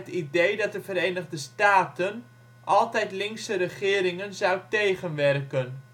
idee dat de Verenigde Staten altijd linkse regeringen zou tegenwerken